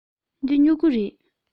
འདི སྨྱུ གུ རེད